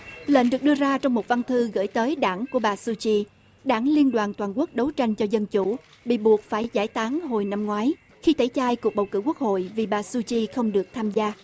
lệnh được đưa ra trong một văn thư gửi tới đảng của bà su chi đảng liên đoàn toàn quốc đấu tranh cho dân chủ bị buộc phải giải tán hồi năm ngoái khi tẩy chay cuộc bầu cử quốc hội vì bà su chi không được tham gia